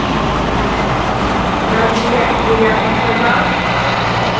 разве я себе ясно сказал